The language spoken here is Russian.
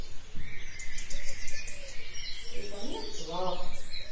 витамин клаб